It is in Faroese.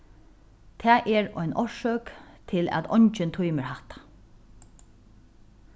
tað er ein orsøk til at eingin tímir hatta